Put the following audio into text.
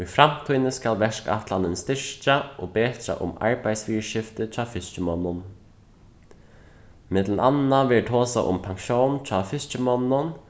í framtíðini skal verkætlanin styrkja og betra um arbeiðsviðurskifti hjá fiskimonnum millum annað verður tosað um pensjón hjá fiskimonnunum